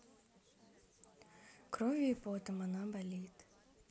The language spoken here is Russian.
кровью и потом она болит